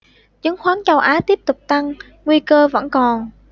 chứng khoán châu á tiếp tục tăng nguy cơ vẫn còn